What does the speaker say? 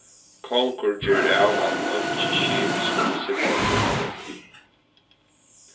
kongur ger av at eingi skip skulu sigla burtur